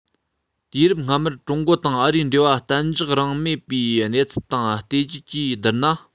དུས རིམ སྔ མར ཀྲུང གོ དང ཨ རིའི འབྲེལ བ བརྟན འཇགས རང མེད པའི གནས ཚུལ དང བལྟོས བཅས ཀྱིས བསྡུར ན